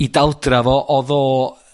'i daldra fo, odd o